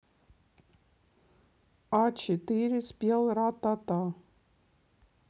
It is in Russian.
а четыре спел ра та та